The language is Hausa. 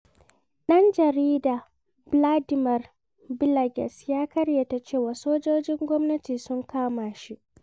ɗan jarida ɓladimir ɓillages ya ƙaryata cewa sojojin gwamnati sun kama shi: